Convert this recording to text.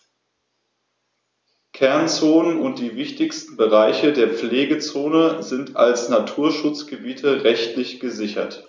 Kernzonen und die wichtigsten Bereiche der Pflegezone sind als Naturschutzgebiete rechtlich gesichert.